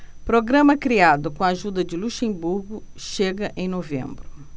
programa criado com a ajuda de luxemburgo chega em novembro